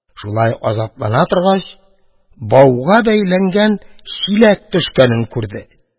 Шулай азаплана торгач, бауга бәйләнгән чиләк төшкәнне күрде.